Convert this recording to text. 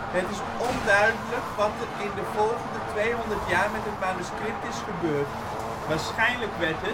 Het is onduidelijk wat er in de volgende tweehonderd jaar met het manuscript is gebeurd. Waarschijnlijk werd